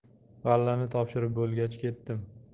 g'allani topshirib bo'lgach ketdim